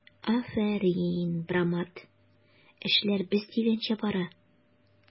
Афәрин, брамат, эшләр без дигәнчә бара!